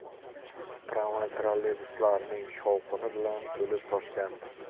tramvay trolleybuslarning shovqini bilan to'lib toshgandi